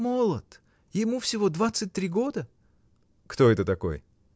— Молод: ему всего двадцать три года! — Кто это такой?